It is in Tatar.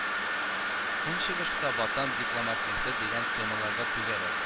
Көнчыгышта Ватан дипломатиясе дигән темаларга түгәрәк